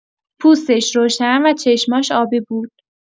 پوستش روشن و چشماش آبی بود.